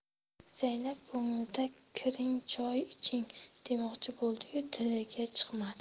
zaynab ko'nglida kiring choy iching demoqchi bo'ldi yu tiliga chiqmadi